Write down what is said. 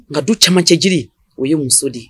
Nka du caman cɛ jiri o ye muso di